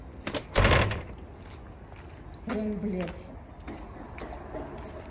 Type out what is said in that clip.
рен блядь